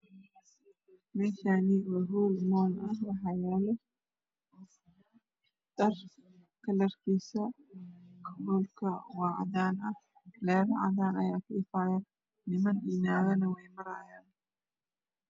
Meeshaani waa hool mool ah waxaa yaalo dhar kalarkisa kalarka waa cadaan leerar cadaan aya ka ifaayo niman wax qorayaan